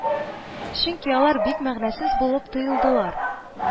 Чөнки алар бик мәгънәсез булып тоелдылар